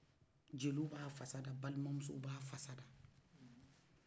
jeliw b'a fassa da a balimusow b'a fassa da